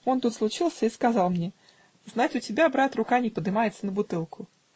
он тут случился и сказал мне: знать у тебя, брат, рука не подымается на бутылку.